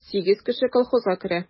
Сигез кеше колхозга керә.